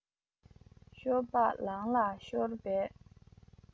ཤོ སྦག ལང ལ ཤོར པའི